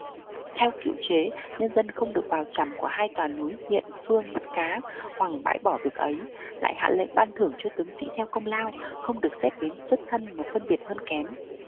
theo cựu chế nhân dân không được vào chằm của hai tòa núi hiện phương bắt cá hoằng bãi bỏ việc ấy lại hạ lệnh ban thưởng cho tướng sĩ theo công lao không được xét đến xuất thân mà phân biệt hơn kém